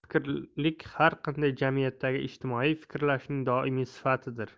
hurfikrlik har qanday jamiyatdagi ijtimoiy fikrlashning doimiy sifatidir